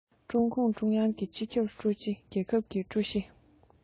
ཀྲུང གུང ཀྲུང དབྱང གི སྤྱི ཁྱབ ཧྲུའུ ཅིའམ རྒྱལ ཁབ ཀྱི ཀྲུའུ ཞི